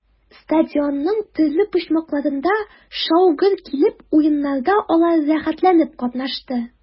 Стадионның төрле почмакларында шау-гөр килеп уеннарда алар рәхәтләнеп катнашты.